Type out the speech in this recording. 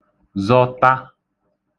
zọta